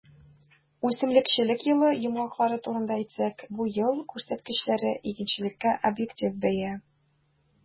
Үсемлекчелек елы йомгаклары турында әйтсәк, бу ел күрсәткечләре - игенчелеккә объектив бәя.